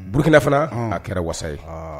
Bourkina fana ɔnn a kɛra wasa ye